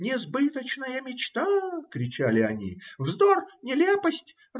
– Несбыточная мечта! – кричали они. – Вздор, нелепость!